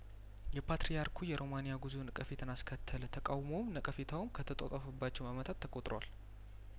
የፓትርያርኩ የሮማን ያጉዞ ነቀፌታን አስከተለ ተቃውሞውም ነቀፌታውም ከተጧጧፈባቸው አመታት ተቆጥረዋል